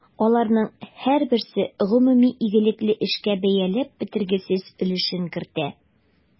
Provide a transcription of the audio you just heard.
Аларның һәрберсе гомуми игелекле эшкә бәяләп бетергесез өлешен кертә.